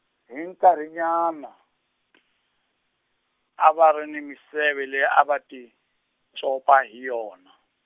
hi nkarhinyana , a va ri ni minseve leyi a va ti copa hi yona.